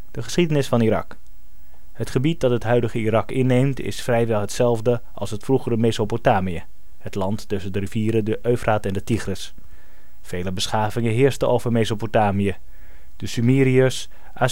Geschiedenis van Irak Het gebied dat het huidige Irak inneemt is vrijwel hetzelfde als het vroegere Mesopotamië, het land tussen de rivieren Eufraat en Tigris. Vele beschavingen heersten over Mesopotamië: de Sumeriërs, Assyrië